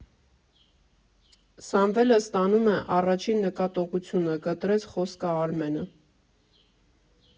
֊ Սամվելը ստանում է առաջին նկատողությունը, ֊ կտրեց խոսքը Արմենը։